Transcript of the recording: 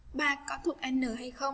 có thuộc n hay không